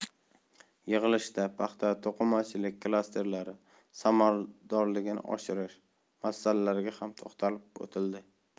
yig'ilishda paxta to'qimachilik klasterlari samaradorligini oshirish masalalariga ham to'xtalib o'tildi